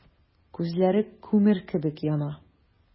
Күзләре күмер кебек яна.